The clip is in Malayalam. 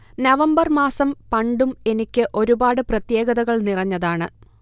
നവംബർ മാസം പണ്ടും എനിക്ക് ഒരുപാട് പ്രത്യേകതകൾ നിറഞ്ഞതാണ്